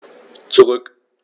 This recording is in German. Zurück.